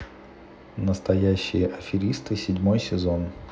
настоящие аферисты седьмой сезон